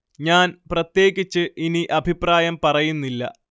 ഞാൻ പ്രത്യേകിച്ച് ഇനി അഭിപ്രായം പറയുന്നില്ല